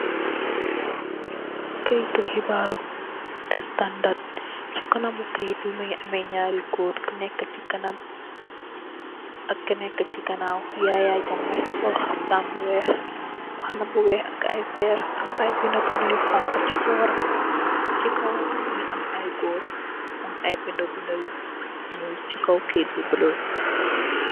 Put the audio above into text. Keyetu xibaar de standard keyit bi mungi ame nyarri goor am kuneka ci kanam ak kuneka ci ganaw yaya jammeh sol xaftan bu weex, mbaxana bu weer ak veer am ay binda binda ci boram, ci kaw mungi am ay goor. Ak ay binda binda yu ñuul ci kaw keyit bi.